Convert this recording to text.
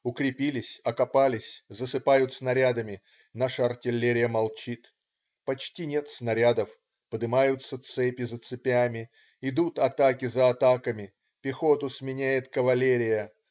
Укрепились, окопались, засыпают снарядами. Наша артиллерия молчит. Почти нет снарядов. Подымаются цепи за цепями. Идут атаки за атаками. Пехоту сменяет кавалерия.